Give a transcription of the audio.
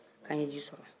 ko an ye ji sɔrɔ